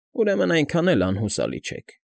Ուրմեն այնքան էլ անհուսալի չեք։